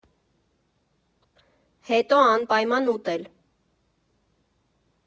Հետո անպայման ուտել։